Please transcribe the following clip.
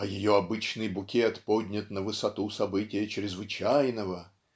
а ее обычный букет поднят на высоту события чрезвычайного